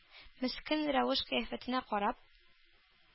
Мескен рәвеш-кыяфәтен карап,